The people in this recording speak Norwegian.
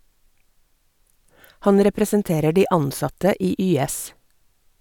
Han representerer de ansatte i YS.